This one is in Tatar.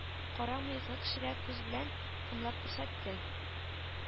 Кара мыеклы кешегә күзе белән ымлап күрсәтте